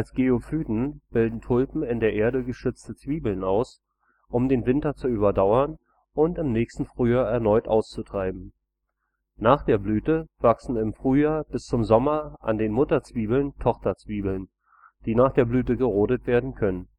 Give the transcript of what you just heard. Geophyten bilden Tulpen in der Erde geschützte Zwiebeln aus, um den Winter zu überdauern und im nächsten Frühjahr erneut auszutreiben. Nach der Blüte wachsen im Frühjahr bis zum Sommer an den Mutterzwiebeln Tochterzwiebeln, die nach der Blüte „ gerodet “werden können